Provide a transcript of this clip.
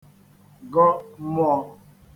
gọ mmụ̄ọ̄